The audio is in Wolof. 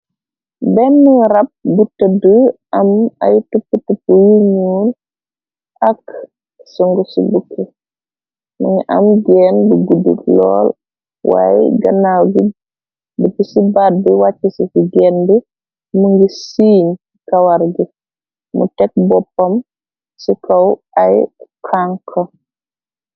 Benn rab bu tëdd am ay tuppi tup yunoon ak si ngu ci bukki mungi am genn bu gudd lool waay ganaaw gi dupi ci bat bi wàcc ci ci gen bi mu ngi siiñ kawar gi mu teg boppam ci kaw ay kanki.